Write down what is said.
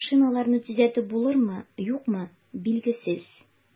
Машиналарны төзәтеп булырмы, юкмы, билгесез.